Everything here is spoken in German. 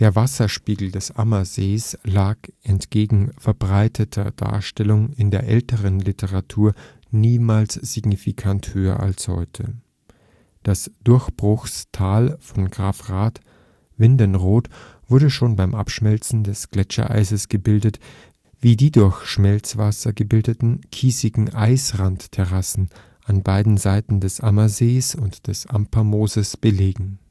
Wasserspiegel des Ammersees lag entgegen verbreiteter Darstellung in der älteren Literatur niemals signifikant höher als heute. Das Durchbruchstal von Grafrath-Wildenroth wurde schon beim Abschmelzen des Gletschereises gebildet, wie die durch Schmelzwasser gebildeten kiesigen Eisrandterrassen an beiden Seiten des Ammersees und des Ampermooses belegen